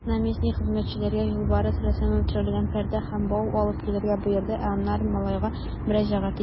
Наместник хезмәтчеләргә юлбарыс рәсеме төшерелгән пәрдә һәм бау алып килергә боерды, ә аннары малайга мөрәҗәгать итте.